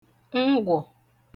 ngwọ̀